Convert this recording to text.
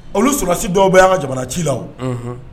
Olu sɔnnalasi dɔw bɛ yan ka jamana ci la